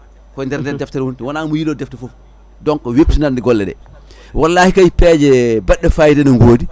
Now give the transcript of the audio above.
koye nder nden deftere woni wona omo yiilo defte foof donc webtinande golleɗe wallahi kay peeje baɗɗe fayida ne goodi